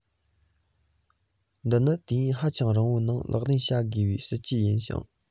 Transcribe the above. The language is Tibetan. འདི ནི དུས ཡུན ཧ ཅང རིང པོའི ནང ལག ལེན བྱ དགོས པའི སྲིད ཇུས ཤིག རེད